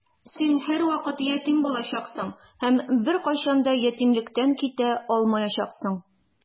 Син һәрвакыт ятим булачаксың һәм беркайчан да ятимлектән китә алмаячаксың.